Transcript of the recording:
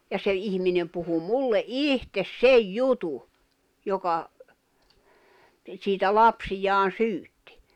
ja se ihminen puhui minulle itse sen jutun joka siitä lapsiaan syytti